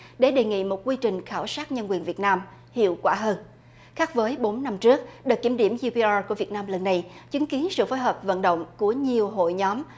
để đề nghị một quy trình khảo sát nhân quyền việt nam hiệu quả hơn khác với bốn năm trước đợt kiểm điểm gi bi a của việt nam lần này chứng kiến sự phối hợp vận động của nhiều hội nhóm